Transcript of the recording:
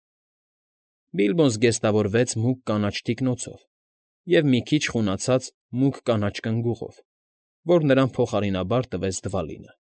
Բիլբոն զգեստավորվեց մուգ կանաչ թիկնոցով և մի քիչ խունացած մուգ կանաչ կնգուղով, որ նրան փոխարինաբար տվեց Դվալինը։